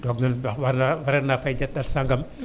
bor boo xam ne war naa waroon naa fay * bor sangam